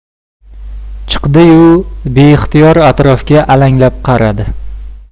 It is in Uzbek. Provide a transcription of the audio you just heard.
chiqdi yu beixtiyor atrofga alanglab qaradi